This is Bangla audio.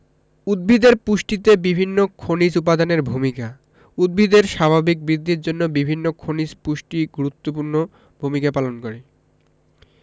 উদ্ভিদের পুষ্টিতে বিভিন্ন খনিজ উপাদানের ভূমিকা উদ্ভিদের স্বাভাবিক বৃদ্ধির জন্য বিভিন্ন খনিজ পুষ্টি গুরুত্বপূর্ণ ভূমিকা পালন করে